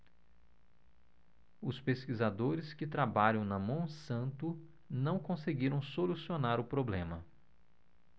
os pesquisadores que trabalham na monsanto não conseguiram solucionar o problema